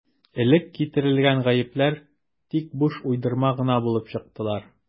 Элек китерелгән «гаепләр» тик буш уйдырма гына булып чыктылар.